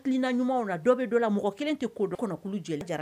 HakiIina ɲumanw dɔw bɛ dɔ la mɔgɔ 1 tɛ ko kɔnɔ kulu